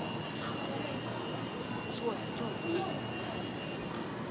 джой артем гей